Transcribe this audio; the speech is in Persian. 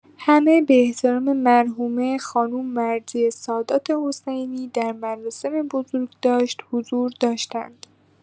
همه به احترام مرحومه خانم مرضیه سادات حسینی، در مراسم بزرگداشت حضور داشتند.